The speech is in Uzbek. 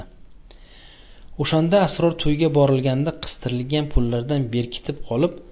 o'shanda sror to'yga borilganda qistirilgan pullardan berkitib qolib